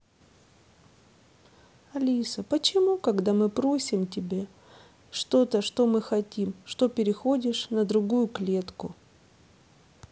алиса почему когда мы просим тебе что то что мы хотим что переходишь на другую клетку